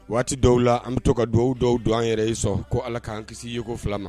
Waati dɔw la an bɛ to ka dugawu dɔw dun an yɛrɛ sɔrɔ ko ala k'an kisi yeko fila ma